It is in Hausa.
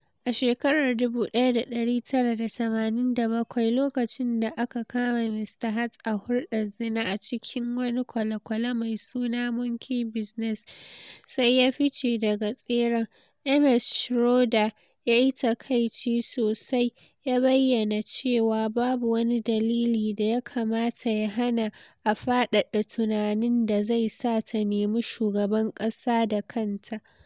A shekarar 1987, lokacin da aka kama Mr Hart a hulda zina a cikin wani kwale-kwale mai suna Monkey Business sai ya fice daga tseren, Ms. Schroeder ya yi takaici sosai, ya bayyana cewa babu wani dalili da ya kamata ya hana a faɗaɗa tunanin da zai sa ta nemi shugaban ƙasa da kanta.